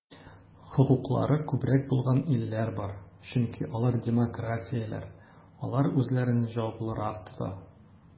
Хокуклары күбрәк булган илләр бар, чөнки алар демократияләр, алар үзләрен җаваплырак тота.